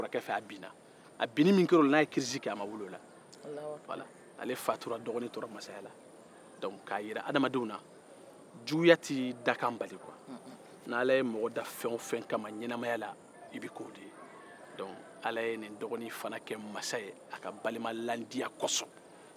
ale fatura dɔgɔnin tora masaya la k'a jira adamadenw na juguya tɛ dakan bali ni ala ye mɔgɔ da fɛn o fɛn kama ɲɛnamaya la i bɛ kɛ o de ye ala ye ni dɔgɔnin ke masa ye a ka balimaladiya ni kɔnɔjɛlenya kosɔn